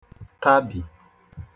Kabì